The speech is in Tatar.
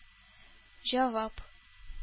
Җавап